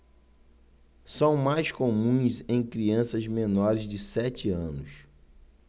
são mais comuns em crianças menores de sete anos